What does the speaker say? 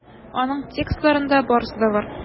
Аның текстларында барысы да бар.